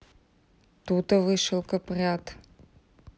тутовый шелкопряд